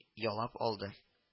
Ялап алды